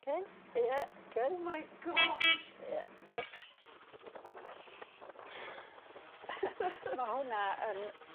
Oce? Ie, good. Oh my gosh. Ie good. Ma' hwnna yn